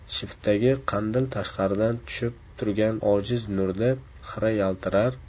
shiftdagi qandil tashqaridan tushib turgan ojiz nurda xira yaltirar